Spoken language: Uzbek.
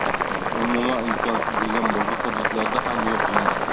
qatnovi umuman imkonsiz bo'lgan hududlar ham yo'q emas